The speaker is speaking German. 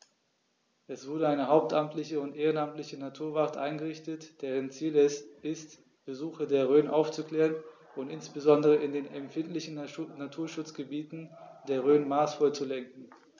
Es wurde eine hauptamtliche und ehrenamtliche Naturwacht eingerichtet, deren Ziel es ist, Besucher der Rhön aufzuklären und insbesondere in den empfindlichen Naturschutzgebieten der Rhön maßvoll zu lenken.